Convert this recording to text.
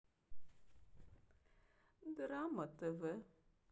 драма тв